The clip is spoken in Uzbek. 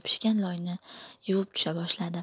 yopishgan loyni yuvib tusha boshladi